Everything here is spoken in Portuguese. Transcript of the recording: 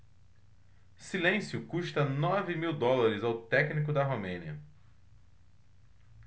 silêncio custa nove mil dólares ao técnico da romênia